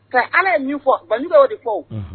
Ka Ala ye min fɔ Banjugu y'o de fɔ o, unhun